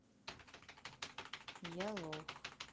я лох